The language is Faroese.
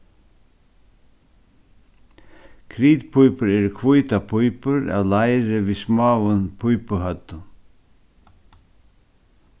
kritpípur eru hvítar pípur av leiri við smáum pípuhøvdum